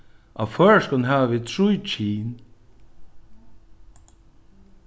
á føroyskum hava vit trý kyn